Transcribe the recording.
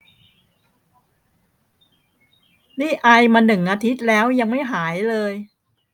นี่ไอมาหนึ่งอาทิตย์แล้วยังไม่หายเลย